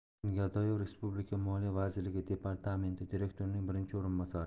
erkin gadoyev respublika moliya vazirligi departamenti direktorining birinchi o'rinbosari